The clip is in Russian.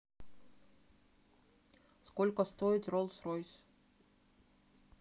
сколько стоит rolls royce